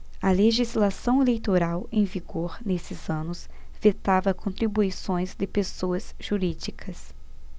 a legislação eleitoral em vigor nesses anos vetava contribuições de pessoas jurídicas